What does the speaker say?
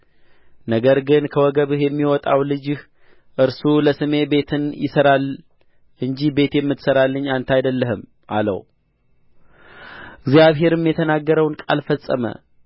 ነገር ግን ከወገብህ የሚወጣው ልጅህ እርሱ ለስሜ ቤትን ይሠራል እንጂ ቤት የምትሠራልኝ አንተ አይደለህም አለው እግዚአብሔርም የተናገረውን ቃል ፈጸመ